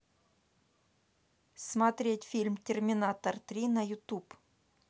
смотреть фильм терминатор три на ютуб